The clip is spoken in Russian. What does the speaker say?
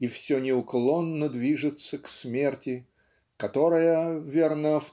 и все неуклонно движется к смерти которая верно